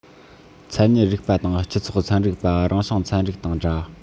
མཚན ཉིད རིག པ དང སྤྱི ཚོགས ཚན རིག པ རང བྱུང ཚན རིག དང འདྲ